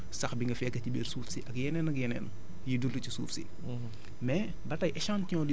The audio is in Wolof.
ay bactéries la ay champigons sax bi nga fekk ci biir suuf siak yeneen ak yeneen yuy dugg ci suuf si